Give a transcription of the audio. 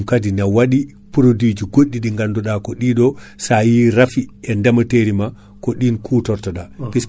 nde o ummi Suise kadi o ari e nder leydi Sénégal ko distributeur goto fournisseur goto waɗa e juɗe mum